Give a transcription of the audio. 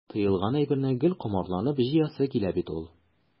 Тыелган әйберне гел комарланып җыясы килә бит ул.